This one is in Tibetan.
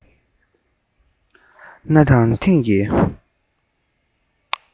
གནའ དང དེང གི